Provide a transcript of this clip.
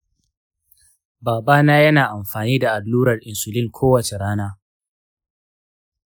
babana yana amfani da allurar insulin kowace rana.